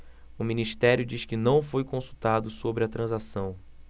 o ministério diz que não foi consultado sobre a transação